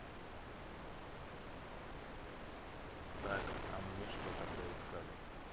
так а мне что тогда искали